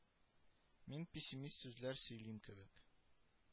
Мин пессимист сүзләр сөйлим кебек